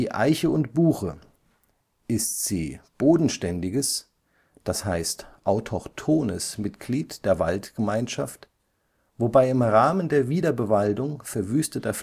Eiche und Buche ist sie bodenständiges (autochthones) Mitglied der Waldgemeinschaft, wobei im Rahmen der Wiederbewaldung verwüsteter